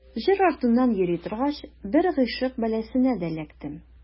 Җыр артыннан йөри торгач, бер гыйшык бәласенә дә эләктем.